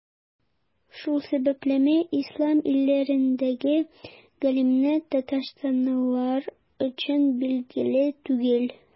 Шул сәбәплеме, Ислам илләрендәге галимнәр Татарстанлылар өчен билгеле түгел.